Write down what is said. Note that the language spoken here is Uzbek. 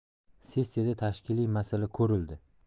sessiyada tashkiliy masala ko'rildi